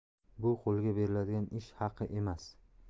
bu qo'lga beriladigan ish haqi emas